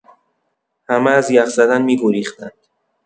همه از یخ زدن می‌گریختند.